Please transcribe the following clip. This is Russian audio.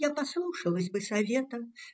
Я послушалась бы совета.